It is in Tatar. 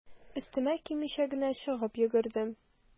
Өстемә кимичә генә чыгып йөгердем.